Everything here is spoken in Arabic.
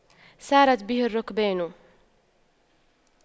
سارت به الرُّكْبانُ